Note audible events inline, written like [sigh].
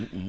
[hesitation] [hesitation]